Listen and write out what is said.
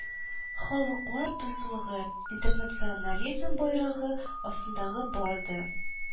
Халыклар дуслыгы, интернационализм байрагы астында барды